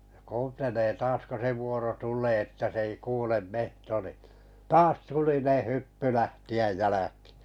ja kuuntelee taas kun se vuoro tulee että se ei kuule metso niin taas tulinen hyppy lähteä jälkiin